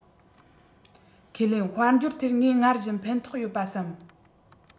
ཁས ལེན དཔལ འབྱོར ཐད ངས སྔར བཞིན ཕན ཐོག ཡོད པ བསམ